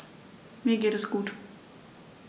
Mir geht es gut.